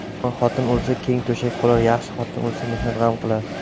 yomon xotin o'lsa keng to'shak qolar yaxshi xotin o'lsa mehnat g'am qolar